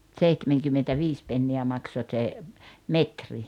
seitsemänkymmentäviisi penniä maksoi se metri